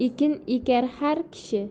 ekin ekar har kishi